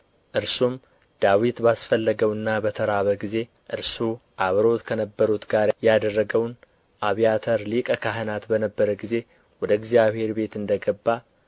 እርሱም ዳዊት ባስፈለገውና በተራበ ጊዜ እርሱ አብረውት ከነበሩት ጋር ያደረገውን አብያተር ሊቀ ካህናት በነበረ ጊዜ ወደ እግዚአብሔር ቤት እንደ ገባ